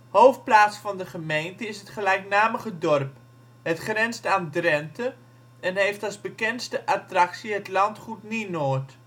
Hoofdplaats van de gemeente is het gelijknamige dorp. Het grenst aan Drenthe en heeft als bekendste attractie het landgoed Nienoord